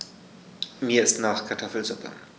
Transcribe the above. Mir ist nach Kartoffelsuppe.